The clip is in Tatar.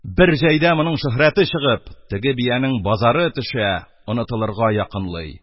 . бер җәйдә моның шөһрәте чыгып, теге биянең базары төшә, онытылырга якынлый.